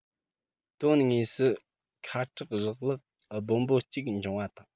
དོན དངོས སུ ཁ དབྲག རེག ལག སྦོམ པོ གཅིག འབྱུང བ དང